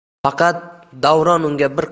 faqat davron unga bir